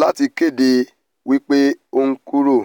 láti kéde wípé ó ńkúrò.